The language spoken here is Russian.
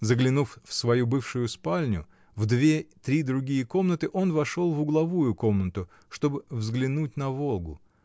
Заглянув в свою бывшую спальню, в две-три другие комнаты, он вошел в угловую комнату, чтоб взглянуть на Волгу.